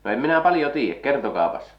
no en minä paljon tiedä kertokaapas